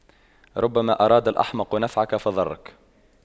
ربما أراد الأحمق نفعك فضرك